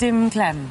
Dim clem.